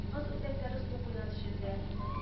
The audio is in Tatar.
Каз-үрдәкләре су буена төшерде